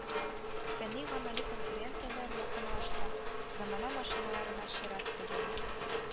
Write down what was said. Фәнни-гамәли конференцияләр якынлашса, замана машиналарына чират тезелә